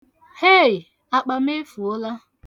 Hei! akpa m efuola.